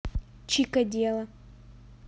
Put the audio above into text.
чика дела